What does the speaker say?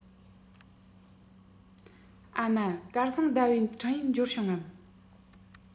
ཨ མ སྐལ བཟང ཟླ བའི འཕྲིན ཡིག འབྱོར བྱུང ངམ